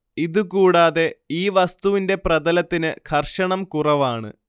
ഇതു കൂടാതെ ഈ വസ്തുവിന്റെ പ്രതലത്തിന് ഘർഷണം കുറവാണ്